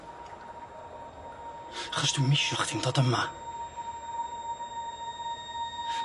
Achos dwi'm isio chdi'n dod yma.